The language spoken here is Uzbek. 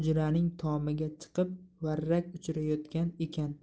chiqib varrak uchirayotgan ekan